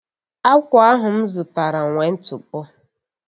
Akwa ahụ m zụtara nwe ntụpọ.